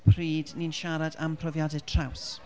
pryd ni'n siarad am profiadau traws.